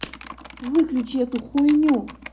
выключи эту хуйню